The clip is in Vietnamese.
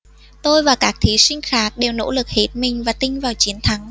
tôi và các thí sinh khác đều nỗ lực hết mình và tin vào chiến thắng